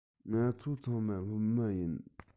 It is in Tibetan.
ང ཚོ ཚང མ སློབ མ ཡིན